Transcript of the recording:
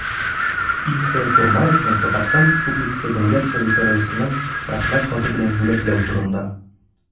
И.Х. Курмаевны Татарстан республикасы дәүләт советы рәисенең рәхмәт хаты белән бүләкләү турында